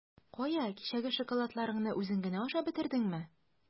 Кая, кичәге шоколадларыңны үзең генә ашап бетердеңме?